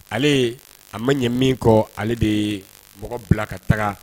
Ale a ma ɲɛ min kɔ ale de ye mɔgɔ bila ka taga